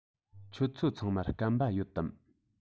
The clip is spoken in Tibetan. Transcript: ཁྱོད ཚོ ཚང མར སྐམ པ ཡོད དམ